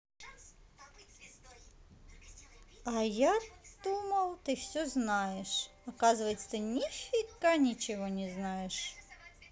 а я думал ты все знаешь оказывается ты нифига ничего не знаешь